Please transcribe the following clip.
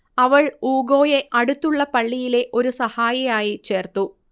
അവൾ ഊഗോയെ അടുത്തുള്ള പള്ളിയിലെ ഒരു സഹായിയായി ചേർത്തു